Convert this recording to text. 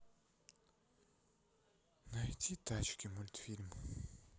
найди тачки мультфильм